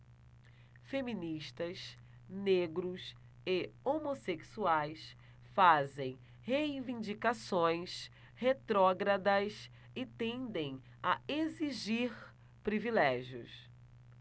feministas negros e homossexuais fazem reivindicações retrógradas e tendem a exigir privilégios